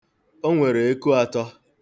O nwere eku atọ.